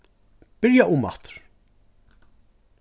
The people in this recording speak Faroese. byrja umaftur